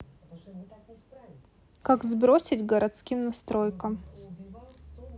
как сбросить к городским настройкам